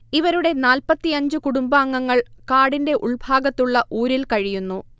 ഇവരുടെ നാല്പ്പത്തിയഞ്ച് കുടുംബാംഗങ്ങൾ കാടിന്റെ ഉൾഭാഗത്തുള്ള ഊരിൽ കഴിയുന്നു